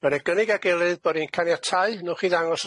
Ma' 'na gynnig a'i gilydd bod ni'n caniatáu newch chi ddangos